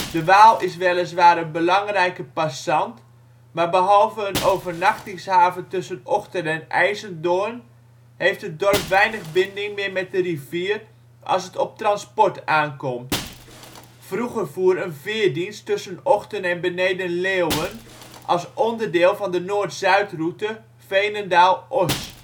De Waal is weliswaar een belangrijke passant, maar behalve een overnachtingshaven tussen Ochten en IJzendoorn heeft het dorp weinig binding meer met de rivier als het op transport aankomt. Vroeger voer een veerdienst tussen Ochten en Beneden-Leeuwen als onderdeel van de noord-zuidroute Veenendaal-Oss